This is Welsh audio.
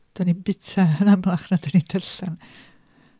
Dan ni'n bwyta yn amlach na dan ni'n darllen.